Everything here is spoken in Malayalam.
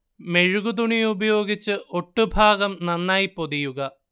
മെഴുകു തുണി ഉപയോഗിച്ച് ഒട്ടു ഭാഗം നന്നായി പൊതിയുക